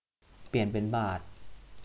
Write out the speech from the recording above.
เปลี่ยนเป็นบาท